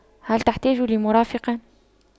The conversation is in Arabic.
هل تحتاج لمرافق